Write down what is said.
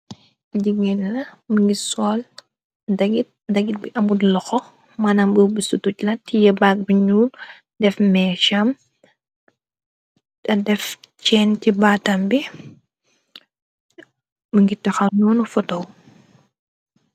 Jiggeen la mu ngir sool dagit bi amul loxo mënam bu bistu tuj la tiye baag bi ñu def mee jam te def cenn ci baatam bi mu ngir daxaw ñoonu fotow.